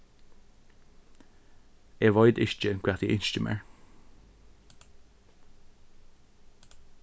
eg veit ikki hvat eg ynski mær